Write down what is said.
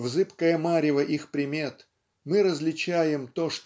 в зыбкое марево их примет мы различаем то